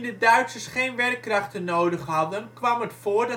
Duitsers geen werkkrachten nodig hadden, kwam het voor